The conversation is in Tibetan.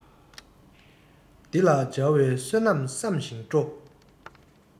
འདི ལ མཇལ བའི བསོད ནམས བསམ ཞིང སྤྲོ